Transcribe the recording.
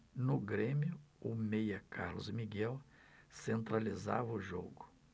no grêmio o meia carlos miguel centralizava o jogo